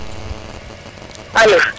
alo